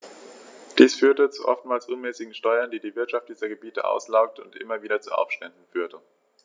Dies führte zu oftmals unmäßigen Steuern, die die Wirtschaft dieser Gebiete auslaugte und immer wieder zu Aufständen führte.